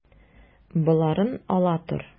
Боларын ала тор.